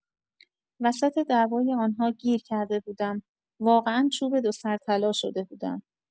وسط دعوای آن‌ها گیر کرده بودم، واقعا چوب دو سر طلا شده بودم.